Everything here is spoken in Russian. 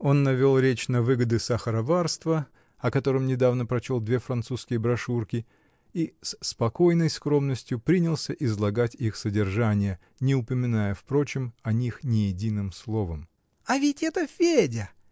Он навел речь на выгоды сахароварства, о котором недавно прочел две французские брошюрки, и с спокойной скромностью принялся излагать их содержание, не упоминая, впрочем, о них ни единым словом. -- А ведь это Федя!